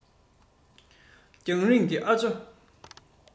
རྒྱང རིང གི ཨ ཇོ